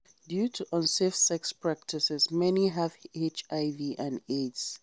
Due to unsafe sex practices, many have HIV and AIDS.